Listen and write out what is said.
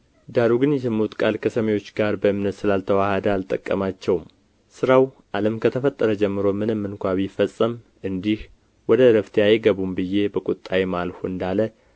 ዳሩ ግን የሰሙት ቃል ከሰሚዎቹ ጋር በእምነት ስላልተዋሐደ አልጠቀማቸውም ሥራው ዓለም ከተፈጠረ ጀምሮ ምንም እንኳ ቢፈጸም እንዲህ ወደ ዕረፍቴ አይገቡም ብዬ በቁጣዬ ማልሁ እንዳለ